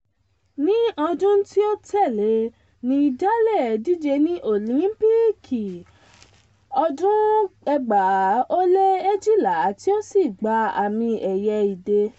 Ní ọdún tí ó tẹ̀lé e ní Daley díje ní Òlìńpìkì 2012 tí ó ṣì gba àmì ẹ̀yẹ idẹ.